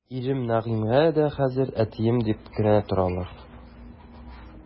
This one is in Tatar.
Ирем Нәгыймгә дә хәзер әтием дип кенә торалар.